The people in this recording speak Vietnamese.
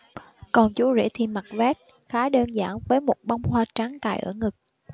còn chú rể thì mặc vest khá đơn giản với một bông hoa trắng cài ở ngực